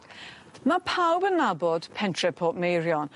Ma' pawb yn nabod Pentre Portmeirion.